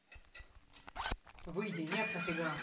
выйти нет нафига